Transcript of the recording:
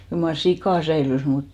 kyllä mar sika säilyi mutta